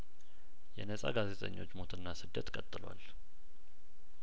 የነጻ ጋዜጠኞች ሞትና ስደት ቀጥሏል